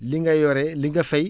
li nga yore li nga fay